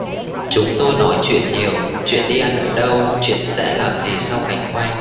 chúng tôi nói chuyện nhiều chuyện đi ăn ở đâu chuyện sẽ làm gì sau cảnh quay